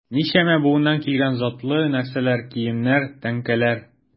Ничәмә буыннан килгән затлы нәрсәләр, киемнәр, тәңкәләр...